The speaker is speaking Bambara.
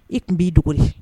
I tun b'i dogo de.